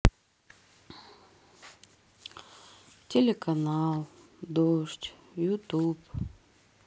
телеканал дождь ютуб